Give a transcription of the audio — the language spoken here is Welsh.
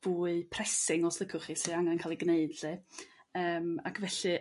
fwy pressing os licwch chi sydd angen ca'l 'u g'neud 'lly. Yrm ac felly